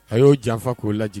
A y'o janfa k'o lajɛ